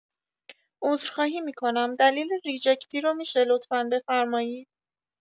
عذرخواهی می‌کنم دلیل ریجکتی رو می‌شه لطفا بفرمایید؟